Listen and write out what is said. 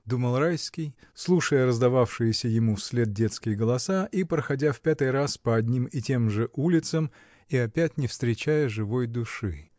— думал Райский, слушая раздававшиеся ему вслед детские голоса и проходя в пятый раз по одним и тем же улицам и опять не встречая живой души.